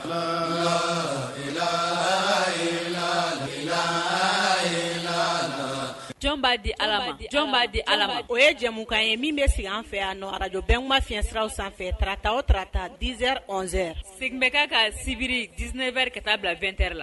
'a di jɔn'a di ala o ye jamukan ye min bɛ sigi an fɛ yan araj bɛɛ ma fiɲɛyɛnsiraw sanfɛ tata o tata dz z segin bɛ ka ka sibiri dzinɛ wɛrɛri ka taa bila2ɛ la